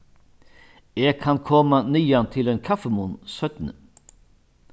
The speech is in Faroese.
eg kann koma niðan til ein kaffimunn seinni